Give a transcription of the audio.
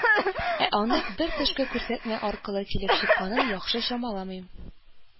Ә анык бер тышкы күрсәтмә аркылы килеп чыкканын яхшы чамалыйм